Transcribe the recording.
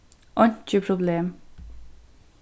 einki problem